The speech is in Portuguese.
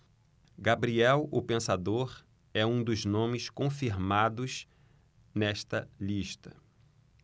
gabriel o pensador é um dos nomes confirmados nesta lista